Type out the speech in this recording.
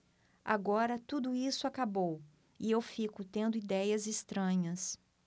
agora tudo isso acabou e eu fico tendo idéias estranhas